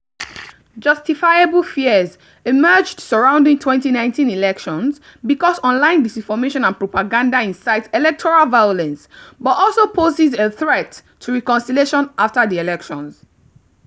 Justifiable fears emerged surrounding 2019 elections because online disinformation and propaganda incites electoral violence but also poses "a threat to reconciliation after the elections".